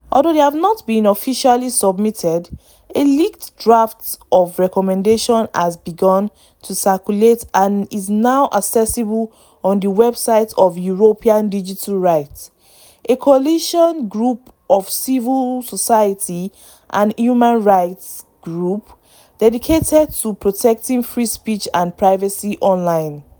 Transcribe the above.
Although they have not been officially submitted, a leaked draft of the recommendations has begun to circulate and is now accessible on the website of European Digital Rights, a coalition group of civil society and human rights groups dedicated to protecting free speech and privacy online.